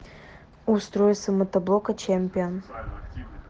устройство мотоблока champion